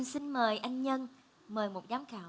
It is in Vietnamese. xin mời anh nhân mời một giám khảo